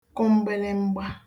kụ mgbịlịmgba